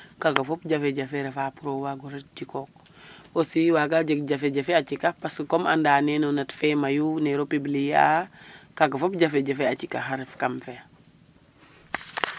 Kaaga fop jafe-jafe refa pour o waag o ret jikook aussi waaga jeg jafe-jafe a cikax parce comme anda meen no nat fe mayu neero publier a kaaga fop jafe-jefe a cikax a ref kam fe.